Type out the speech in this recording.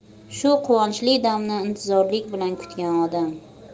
shu quvonchli damni intizorlik bilan kutgan odam